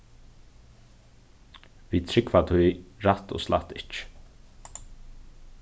vit trúgva tí rætt og slætt ikki